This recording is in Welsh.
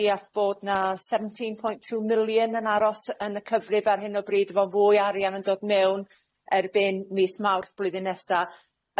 deall bod na seventeen point two million yn aros yn y cyfrif ar hyn o bryd efo fwy o arian yn dod mewn erbyn mis Mawrth blwyddyn nesa.